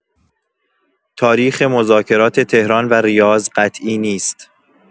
تاریخ مذاکرات تهران و ریاض قطعی نیست.